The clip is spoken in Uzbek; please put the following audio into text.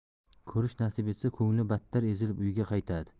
ko'rish nasib etsa ko'ngli battar ezilib uyiga qaytadi